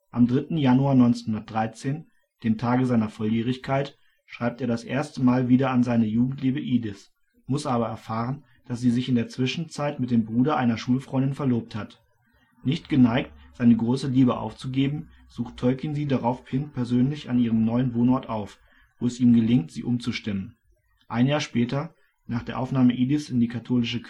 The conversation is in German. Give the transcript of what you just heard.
Am 3. Januar 1913, dem Tage seiner Volljährigkeit, schreibt er das erste Mal wieder an seine Jugendliebe Edith, muss aber erfahren, dass sie sich in der Zwischenzeit mit dem Bruder einer Schulfreundin verlobt hat. Nicht geneigt, seine große Liebe aufzugeben, sucht Tolkien sie daraufhin persönlich an ihrem neuen Wohnort auf, wo es ihm gelingt, sie umzustimmen. Ein Jahr später, nach der Aufnahme Ediths in die katholische Kirche